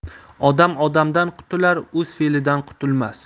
odam odamdan qutular o'z fe'lidan qutulmas